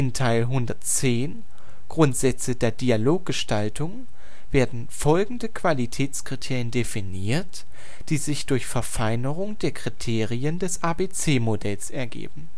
Teil 110 Grundsätze der Dialoggestaltung werden folgende Qualitätskriterien definiert, die sich durch Verfeinerung der Kriterien des ABC-Modells ergeben